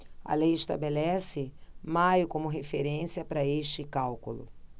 a lei estabelece maio como referência para este cálculo